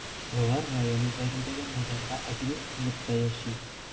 Алар район үзәгендәге мәйданда обелиск булып та яши.